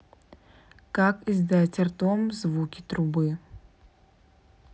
как издать ртом звук трубы